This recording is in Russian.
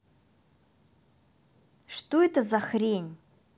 это что за хрень